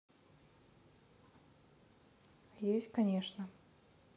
есть конечно